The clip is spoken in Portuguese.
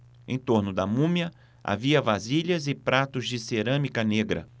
em torno da múmia havia vasilhas e pratos de cerâmica negra